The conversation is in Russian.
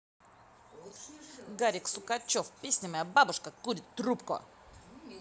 гарик сукачев песня моя бабушка курит трубку